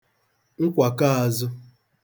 nkwàkoāzụ̄